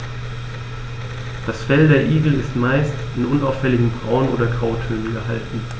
Das Fell der Igel ist meist in unauffälligen Braun- oder Grautönen gehalten.